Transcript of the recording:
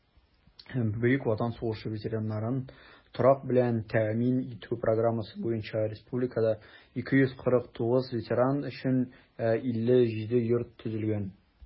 Бөек Ватан сугышы ветераннарын торак белән тәэмин итү программасы буенча республикада 249 ветеран өчен 57 йорт төзелгән.